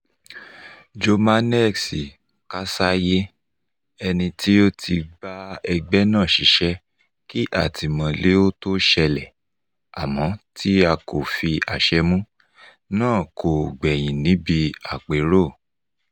Jomanex Kasaye, ẹni tí ó ti bá ẹgbẹ́ náà ṣiṣẹ́ kí àtìmọ́lé ó tó ṣẹlẹ̀ (àmọ́ tí a kò fi àṣẹ mú) náà kò gbẹ́yìn níbi àpérò.